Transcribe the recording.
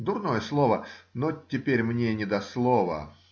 Дурное слово, но теперь мне не до слова.